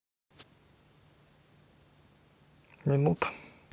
минут